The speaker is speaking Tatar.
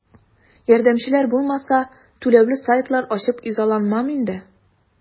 Ярдәмчеләр булмаса, түләүле сайтлар ачып изаланмам инде.